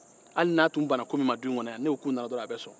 hali n'a tun banna ko min ma du in kɔnɔ yan n'o tun nana dɔrɔn atun bɛ sɔn